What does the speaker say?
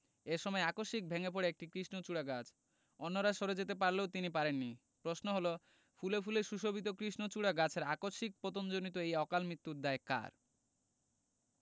এ সময় আকস্মিক ভেঙ্গে পড়ে একটি কৃষ্ণচূড়া গাছ অন্যরা সরে যেতে পারলেও তিনি পারেননি প্রশ্ন হলো ফুলে ফুলে সুশোভিত কৃষ্ণচূড়া গাছের আকস্মিক পতনজনিত এই অকালমৃত্যুর দায় কার